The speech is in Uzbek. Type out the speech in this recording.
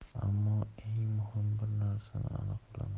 ammo eng muhim bir narsani aniq bilaman